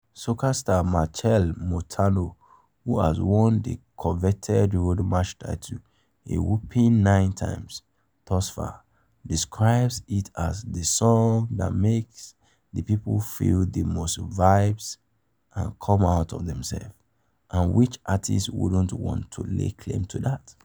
Soca star Machel Montano, who has won the coveted Road March title a whopping nine times thus far, describes it as "the song that make[s] the people feel the most vibes and come out of themselves" — and which artist wouldn't want to lay claim to that?